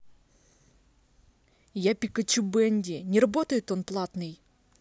я пикачу бенди не работает он платный